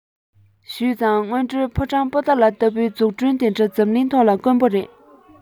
ཞུས ཙང དངོས འབྲེལ ཕོ བྲང པོ ཏ ལ ལྟ བུའི འཛུགས སྐྲུན དེ འདྲ འཛམ གླིང ཐོག དཀོན པོ རེད